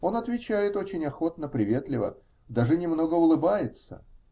Он отвечает очень охотно, приветливо, даже немного улыбается.